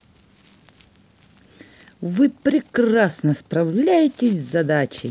вы прекрасно справляетесь с задачей